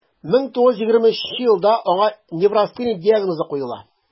1923 елда аңа неврастения диагнозы куела: